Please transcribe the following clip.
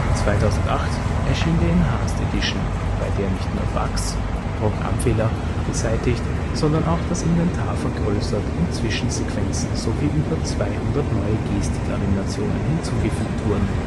2008 erschien die Enhanced Edition, bei der nicht nur Bugs (Programmfehler) beseitigt, sondern auch das Inventar vergrößert und Zwischensequenzen sowie über 200 neue Gestik-Animationen hinzugefügt wurden